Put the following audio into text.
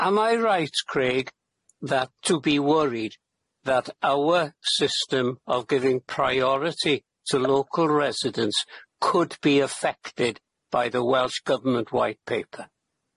Yy am I right Craig that to be worried that our system of giving priority to local residents could be affected by the Welsh Government White Paper.